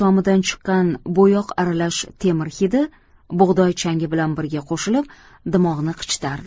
tomidan chiqqan bo'yoq aralash temir hidi bug'doy changi bilan birga qo'shilib dimog'ni qichitardi